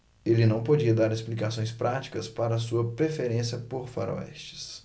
ele podia dar explicações práticas para sua preferência por faroestes